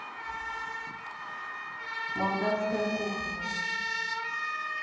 молдавская кухня